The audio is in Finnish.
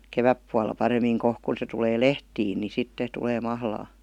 kevätpuolella paremmin kohta kun se tulee lehtiin niin sitten tulee mahlaa